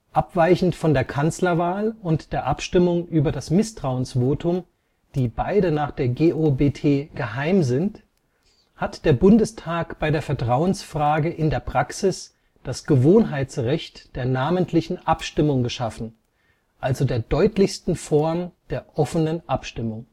Abweichend von der Kanzlerwahl und der Abstimmung über das Misstrauensvotum, die beide nach der GOBT geheim sind, hat der Bundestag bei der Vertrauensfrage in der Praxis das Gewohnheitsrecht der Namentlichen Abstimmung geschaffen, also der deutlichsten Form der offenen Abstimmung